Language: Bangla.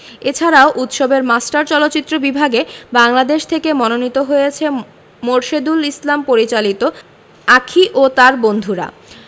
এছাড়াও উৎসবের মাস্টার চলচ্চিত্র বিভাগে বাংলাদেশ থেকে মনোনীত হয়েছে মোরশেদুল ইসলাম পরিচালিত আঁখি ও তার বন্ধুরা